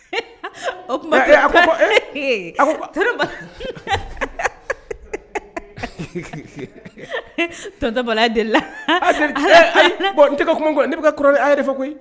o kuma tonton Bala, ee a ko ko, e deeli la koyi! aa deeli tɛ bon ne bɛka kuranɛ aaya de fɛ koyi!